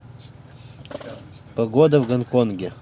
погода в гонконге